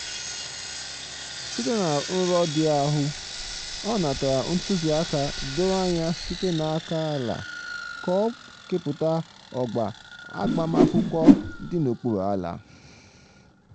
Site na nrọ ndị ahụ, ọ natara ntụziaka doro anya site n'aka Allah ka o kepụta ọgba agbamakwụkwọ dị n'okpuru ala.